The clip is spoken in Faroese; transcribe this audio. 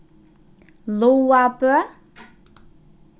lágabø